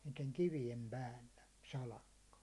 niiden kivien päällä salakka